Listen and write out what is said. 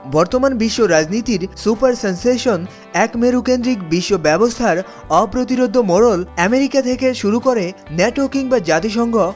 বর্তমান বিশ্ব রাজনীতির সুপার সেন্সেশন এক মেরু কেন্দ্রিক বিশ্ব ব্যবস্থার অপ্রতিরোধ্য মোড়ল আমেরিকা থেকে শুরু করে ন্যাটো কিংবা জাতিসংঘ